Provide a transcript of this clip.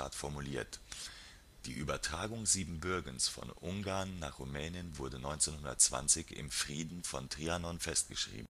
formuliert. Die Übertragung Siebenbürgens von Ungarn nach Rumänien wurde 1920 im Frieden von Trianon festgeschrieben